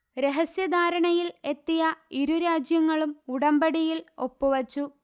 രഹസ്യ ധാരണയിൽ എത്തിയ ഇരു രാജ്യങ്ങളും ഉടമ്പടിയിൽ ഒപ്പുവച്ചു